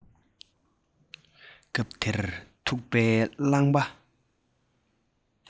སྐབས དེར ཐུག པའི རླངས པ